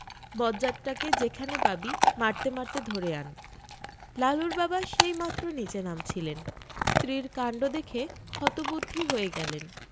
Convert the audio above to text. বজ্জাতটাকে যেখানে পাবি মারতে মারতে ধরে আন্ লালুর বাবা সেইমাত্র নীচে নামছিলেন স্ত্রীর কাণ্ড দেখে হতবুদ্ধি হয়ে গেলেন